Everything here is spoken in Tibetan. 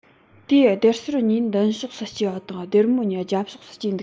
དེའི སྡེར སོར གཉིས མདུན ཕྱོགས སུ སྐྱེས པ དང སྡེར མོ གཉིས རྒྱབ ཕྱོགས སུ སྐྱེས འདུག ཅིང